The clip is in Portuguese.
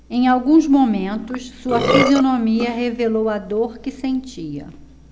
em alguns momentos sua fisionomia revelou a dor que sentia